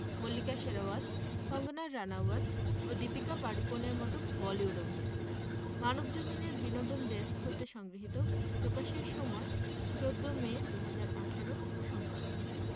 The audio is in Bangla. মল্লিকা শেরওয়াত কঙ্গনা রানাউত ও দীপিকা পাডোকোনের মতো বলিউড অভিনেত্রীরা মানবজমিন এর বিনোদন ডেস্ক হতে সংগৃহীত প্রকাশের সময় ১৪ মে ২০১৮ সোমবার